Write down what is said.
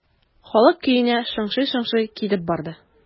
Халык көенә шыңшый-шыңшый китеп барды.